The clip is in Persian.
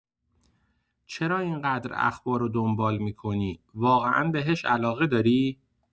چرا اینقدر اخبارو دنبال می‌کنی، واقعا بهش علاقه داری؟